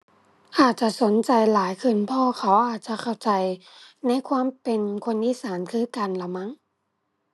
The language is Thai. อาจจะสนใจหลายขึ้นเพราะว่าเขาอาจจะเข้าใจ ในความเป็นคนอีสานคือกันล่ะมั้ง